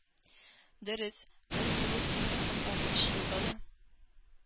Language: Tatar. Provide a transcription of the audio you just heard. Дөрес, мең тугыз йөз туксан алтынчы елда да